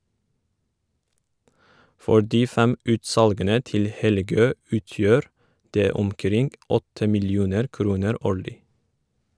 For de fem utsalgene til Helgø utgjør det omkring 8 millioner kroner årlig.